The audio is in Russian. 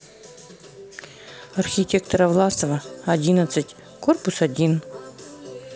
архитектора власова одиннадцать корпус один